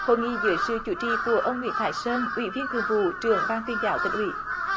hội nghị dưới sự chủ trì của ông nguyễn thái sơn ủy viên thường vụ trưởng ban tuyên giáo tỉnh ủy